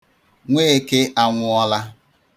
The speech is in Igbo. Nweeke anwụọla.